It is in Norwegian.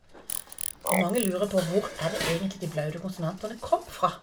Hvor er det egentlig de blaute konsonantene kom fra?